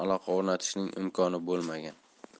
aloqa o'rnatishning imkoni bo'lmagan